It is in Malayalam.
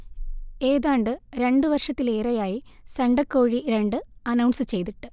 ഏതാണ്ട് രണ്ടു വർഷത്തിലേറെയായി ശണ്ഠക്കോഴി രണ്ട് അനൗൺസ് ചെയ്തിട്ട്